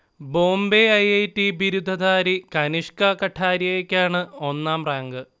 Bombay I. I. T. ബിരുദധാരി കനിഷ്ക കഠാരിയയ്ക്കാണ് ഒന്നാം റാങ്ക്